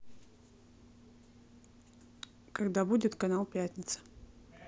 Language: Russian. когда будет канал пятница